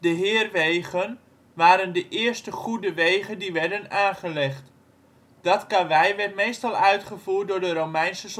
heerwegen waren de eerste goede wegen die werden aangelegd. Dat karwei werd meestal uitgevoerd door de Romeinse